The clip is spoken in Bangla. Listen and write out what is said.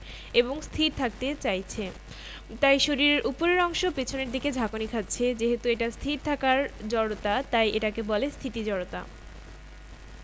বল প্রয়োগ না করলে স্থির বস্তু স্থির থাকবে এবং সমেবেগে ছ চলতে থাকা বস্তু সমেবেগে চলতে থাকবে বুঝতেই পারছ বেগ যেহেতু ভেক্টর তাই সমবেগে চলতে হলে দিক পরিবর্তন করতে পারবে না সোজা সরল রেখায় সমান দ্রুতিতে যেতে হবে